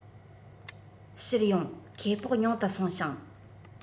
ཕྱིར ཡོང ཁེ སྤོགས ཉུང དུ སོང ཞིང